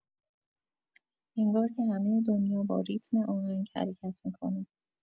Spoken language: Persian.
انگار که همه دنیا با ریتم آهنگ حرکت می‌کنه.